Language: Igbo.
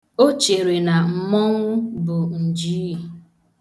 O chere na mmonwu bụ njiii.